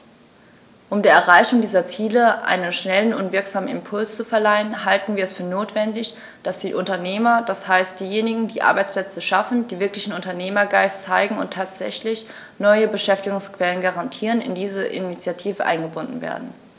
Um der Erreichung dieser Ziele einen schnellen und wirksamen Impuls zu verleihen, halten wir es für notwendig, dass die Unternehmer, das heißt diejenigen, die Arbeitsplätze schaffen, die wirklichen Unternehmergeist zeigen und tatsächlich neue Beschäftigungsquellen garantieren, in diese Initiative eingebunden werden.